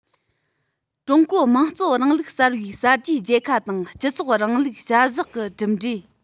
ཀྲུང གོའི དམངས གཙོའི རིང ལུགས གསར པའི གསར བརྗེའི རྒྱལ ཁ དང སྤྱི ཚོགས རིང ལུགས བྱ གཞག གི གྲུབ འབྲས